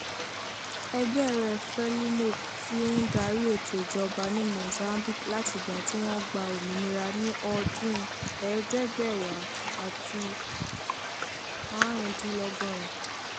Ẹgbẹ́ rẹ̀ Frelimo ti ń darí ètò ìjọba ní Mozambique láti ìgbà tí wọ́n gba òmìnira ní ọdún 1975.